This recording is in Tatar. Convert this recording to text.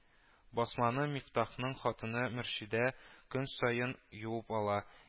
Басманы Мифтахның хатыны Мөршидә көн саен юып ала